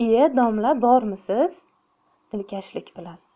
iye domla bormisiz dedi dilkashlik bilan